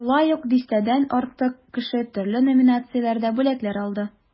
Шулай ук дистәдән артык кеше төрле номинацияләрдә бүләкләр алды.